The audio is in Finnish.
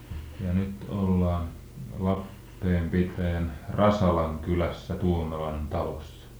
ja nyt ollaan Lappeen pitäjän Rasalan kylässä Tuomelan talossa